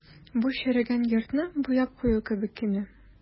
Бу черегән йортны буяп кую кебек кенә.